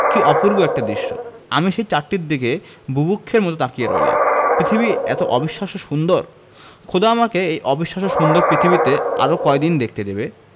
কী অপূর্ব একটি দৃশ্য আমি সেই চাঁদটির দিকে বুভুক্ষের মতো তাকিয়ে রইলাম পৃথিবী এতো অবিশ্বাস্য সুন্দর খোদা আমাকে এই অবিশ্বাস্য সুন্দর পৃথিবীতে আরো কয়দিন দেখতে দেবে